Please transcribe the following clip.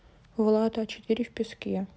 влад а четыре в песке